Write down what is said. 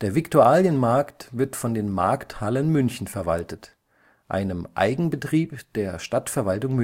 Viktualienmarkt wird von den Markthallen München verwaltet, einem Eigenbetrieb der Stadtverwaltung